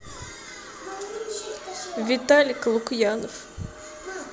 виталик лукьянов